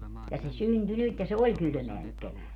ja se syntyi nyt ja se oli kylmää nyt keväällä